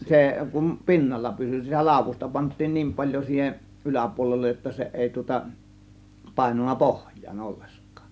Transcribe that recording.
se kun pinnalla pysyi sitä laudusta pantiin niin paljon siihen yläpuolelle jotta se ei tuota painunut pohjaan ollenkaan